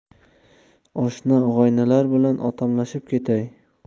oshna og'aynilar bilan otamlashib ketay